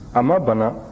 a ma bana